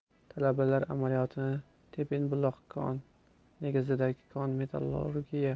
talabalar amaliyotini tebinbuloq kon negizidagi kon metallurgiya